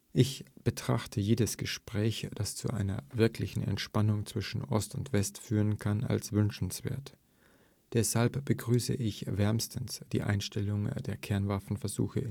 Ich betrachte jedes Gespräch, das zu einer wirklichen Entspannung zwischen Ost und West führen kann, als wünschenswert. Deshalb begrüße ich wärmstens die Einstellung der Kernwaffenversuche